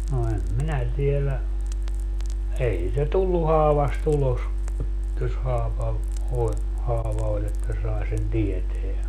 no en minä tiedä ei sitä tullut haavasta ulos jos haava oli haava oli että sai sen tietää